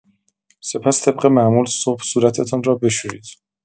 سپس طبق معمول صبح صورتتان را بشویید.